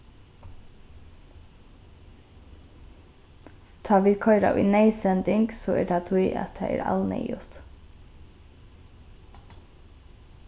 tá vit koyra í neyðsending so er tað tí at tað er alneyðugt